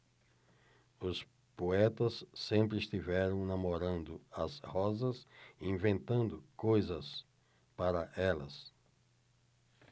os poetas sempre estiveram namorando as rosas e inventando coisas para elas